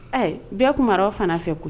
Ɛɛ bi kuma fana fɛ koyi